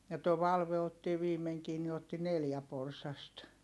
ja tuo Valve otti viimeinkin niin otti neljä porsasta